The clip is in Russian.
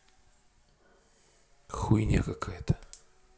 хуйня какая